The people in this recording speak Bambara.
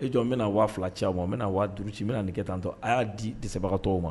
E jɔ n bɛna na waa fila cɛw ma n bɛna na waadu ci bɛna na nin kɛ tan to a y'a disabagatɔ ma